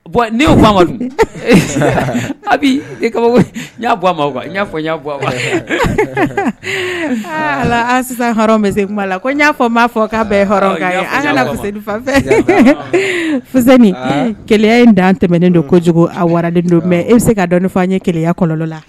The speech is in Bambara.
Bɔn ne fabi i i'a fɔ ala sisan bɛ sea la'a fɔ' fɔ k'a bɛfafɛ keya in dan tɛmɛnennen don kojugu a waralen don mɛ e bɛ se ka dɔn fɔ an ye gɛlɛyaya kolon la